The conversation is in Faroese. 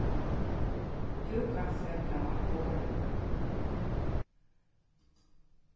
tú kanst seta á borðið nú